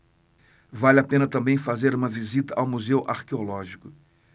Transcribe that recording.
vale a pena também fazer uma visita ao museu arqueológico